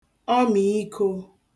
ọmìikō